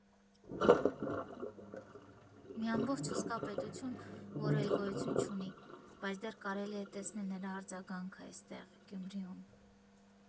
Մի ամբողջ հսկա պետություն, որը էլ գոյություն չունի, բայց դեռ կարելի է տեսնել նրա արձագանքը էստեղ, Գյումրիում։